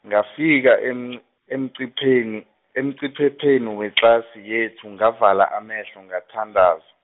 ngafika emnqi- emqipheni- emqiphepheni wetlasi yethu ngavala amehlo ngathandaza.